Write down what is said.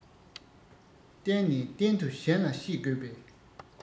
གཏན ནས གཏན དུ གཞན ལ བཤད དགོས པའི